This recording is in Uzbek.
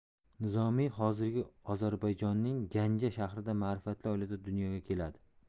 nizomiy hozirgi ozarbayjonning ganja shahrida ma'rifatli oilada dunyoga keladi